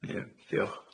Ie diolch.